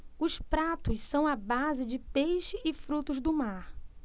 os pratos são à base de peixe e frutos do mar